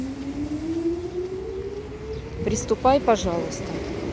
приступай пожалуйста